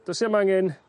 do's 'im angen